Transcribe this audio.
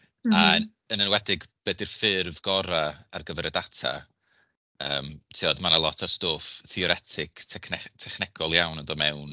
A yn enwedig be 'di'r ffurf gorau ar gyfer y data yym tiod mae 'na lot o stwff theoretic tecne- technegol iawn yn dod mewn.